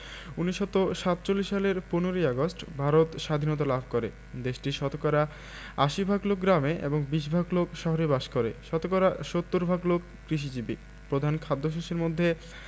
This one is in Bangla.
১৯৪৭ সালের ১৫ ই আগস্ট ভারত সাধীনতা লাভ করেদেশটির শতকরা ৮০ ভাগ লোক গ্রামে এবং ২০ ভাগ লোক শহরে বাস করে শতকরা ৭০ ভাগ লোক কৃষিজীবী প্রধান খাদ্যশস্যের মধ্যে